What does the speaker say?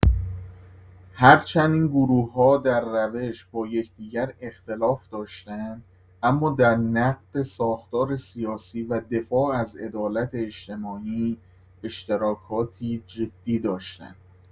هرچند این گروه‌ها در روش با یکدیگر اختلاف داشتند، اما در نقد ساختار سیاسی و دفاع از عدالت اجتماعی اشتراکاتی جدی داشتند.